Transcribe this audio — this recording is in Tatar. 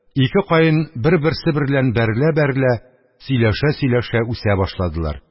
Ике каен бер-берсе берлән бәрелә-бәрелә, сөйләшә-сөйләшә үсә башладылар.